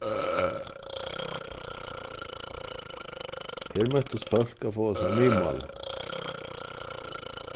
her møttust fólk at fáa sær miðmála